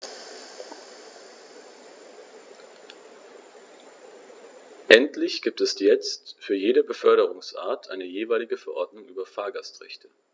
Endlich gibt es jetzt für jede Beförderungsart eine jeweilige Verordnung über Fahrgastrechte.